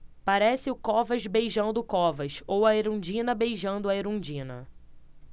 parece o covas beijando o covas ou a erundina beijando a erundina